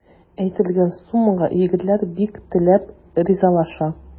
Әйтелгән суммага егетләр бик теләп ризалаша.